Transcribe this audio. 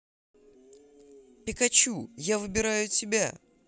пикачу я выбираю тебя